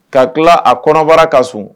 Ka tila a kɔnɔbara ka sun